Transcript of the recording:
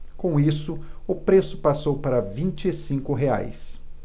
com isso o preço passou para vinte e cinco reais